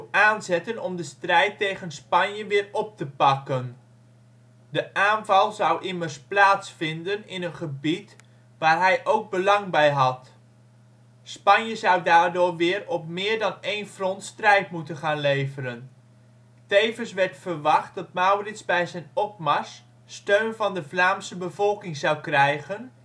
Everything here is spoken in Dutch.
aanzetten om de strijd tegen Spanje weer op te pakken. De aanval zou immers plaatsvinden in een gebied waar hij ook belang bij had. Spanje zou daardoor weer op meer dan één front strijd moeten gaan leveren. Tevens werd verwacht dat Maurits bij zijn opmars steun van de Vlaamse bevolking zou krijgen